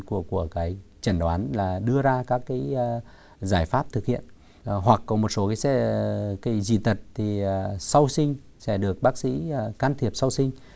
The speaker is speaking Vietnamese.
của của cái chẩn đoán là đưa ra các cái giải pháp thực hiện hoặc của một số cái xe cái dị tật thì sau sinh sẽ được bác sĩ can thiệp sau sinh